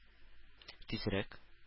Тизрәк